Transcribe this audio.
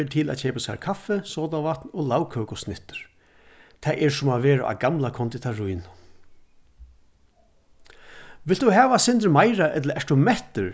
ber til at keypa sær kaffi sodavatn og lagkøkusnittur tað er sum at vera á gamla kondittarínum vilt tú hava eitt sindur meira ella ert tú mettur